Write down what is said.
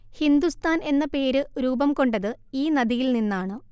ഹിന്ദുസ്ഥാൻ എന്ന പേര് രൂപം കൊണ്ടത് ഈ നദിയിൽ നിന്നാണ്